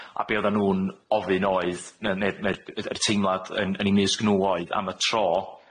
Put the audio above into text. A be' oddan nw'n ofyn oedd ne' ne' ne'r yy yr teimlad yn yn eu mysg nw oedd, am y tro